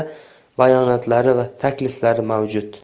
hissiyotlari haqidagi bayonotlari va takliflari mavjud